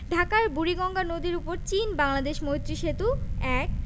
ঢাকায় বুড়িগঙ্গা নদীর উপর চীন বাংলাদেশ মৈত্রী সেতু ১